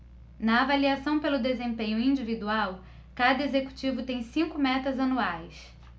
na avaliação pelo desempenho individual cada executivo tem cinco metas anuais